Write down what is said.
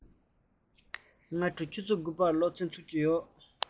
ཞོགས པ ཆུ ཚོད དགུ པར སློབ ཚན ཚུགས ཀྱི ཡོད རེད